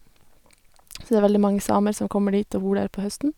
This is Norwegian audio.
Så det er veldig mange samer som kommer dit og bor der på høsten.